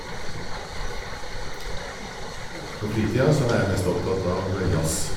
På fritida så er jeg mest opptatt av jazz.